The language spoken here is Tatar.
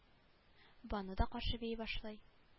Бану да каршы бии башлый